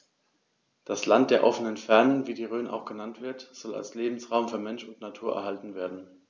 Das „Land der offenen Fernen“, wie die Rhön auch genannt wird, soll als Lebensraum für Mensch und Natur erhalten werden.